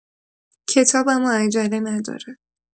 کتاب اما عجله نداره.